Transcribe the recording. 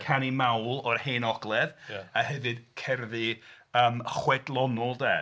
Canu mawl o'r Hen Ogledd, a hefyd cerddi yym chwedlonol 'de...